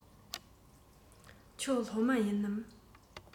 ཁྱོད སློབ མ ཡིན ནམ